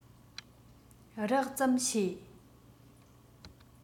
རགས ཙམ ཤེས